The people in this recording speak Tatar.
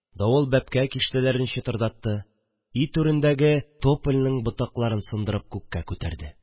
Давыл бәпкә-киштәләрне чытырдатты, өй түрендәге топольнең ботакларын сындырып күккә күтәрде